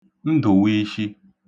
Ndụ̀wiishi